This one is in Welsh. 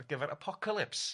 ar gyfer apocalypse... Ia...